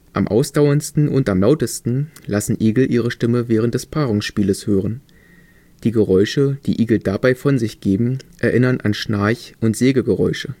Am ausdauerndsten und am lautesten lassen Igel ihre Stimme während des Paarungsspieles hören. Die Geräusche, die Igel dabei von sich geben, erinnern an Schnarch - und Sägegeräusche